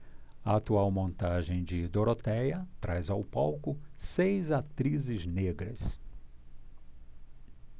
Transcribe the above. a atual montagem de dorotéia traz ao palco seis atrizes negras